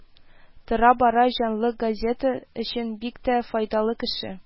Тора-бара җанлы газета өчен бик тә файдалы кеше